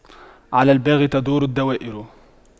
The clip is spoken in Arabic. على الباغي تدور الدوائر